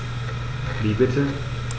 Wie bitte?